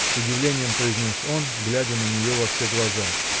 — с удивлением произнес он, глядя на нее во все глаза.